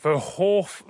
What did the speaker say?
fy hoff